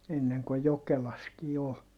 ennen kun Jokelassakin oli